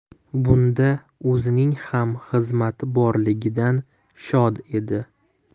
bunda o'zining ham xizmati borligidan shod edi